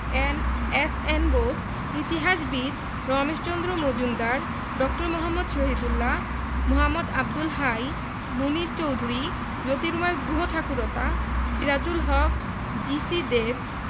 S N Bose ইতিহাসবিদ রমেশচন্দ্র মজুমদার ড. মুহাম্মদ শহীদুল্লাহ মোঃ আবদুল হাই মুনির চৌধুরী জ্যোতির্ময় গুহঠাকুরতা সিরাজুল হক জি.সি দেব